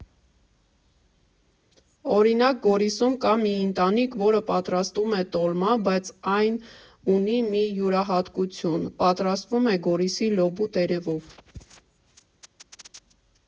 Օրինակ, Գորիսում կա մի ընտանիք, որը պատրաստում է տոլմա, բայց այն ունի մի յուրահատկություն՝ պատրաստվում է Գորիսի լոբու տերևով։